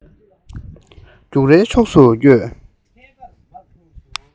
རྒྱུགས རའི ཕྱོགས སུ སྐྱོད